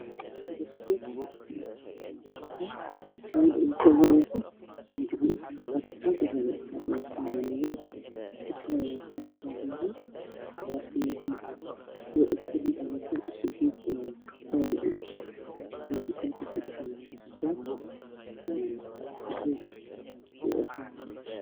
Gabdha fasalka kowadaa waxey wadataa dhar madow iyo caadn ah